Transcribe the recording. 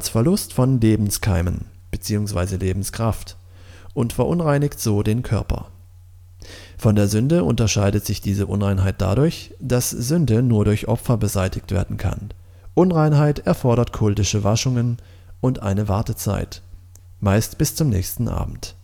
Verlust von Lebenskeimen bzw. Lebenskraft und verunreinigt so den Körper. Von der Sünde unterscheidet sich diese Unreinheit dadurch, dass Sünde nur durch Opfer beseitigt werden kann, Unreinheit erfordert kultische Waschungen und eine Wartezeit (meist bis zum nächsten Abend